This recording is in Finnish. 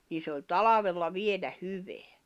niin se oli talvella vielä hyvää